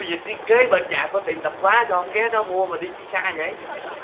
giờ cái kế bên nhà có tiệm tạp hóa sao không ghé đó mua mà đi xa vậy